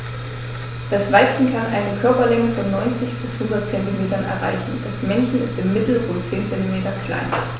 Das Weibchen kann eine Körperlänge von 90-100 cm erreichen; das Männchen ist im Mittel rund 10 cm kleiner.